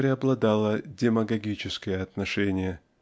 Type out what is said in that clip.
преобладало демагогическое отношение